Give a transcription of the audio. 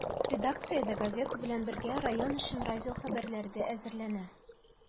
Редакциядә, газета белән бергә, район өчен радио хәбәрләре дә әзерләнә.